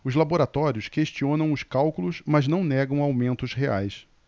os laboratórios questionam os cálculos mas não negam aumentos reais